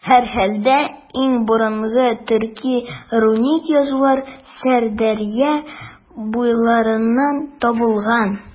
Һәрхәлдә, иң борынгы төрки руник язулар Сырдәрья буйларыннан табылган.